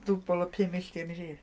ddwbl y pum milltir wnes i.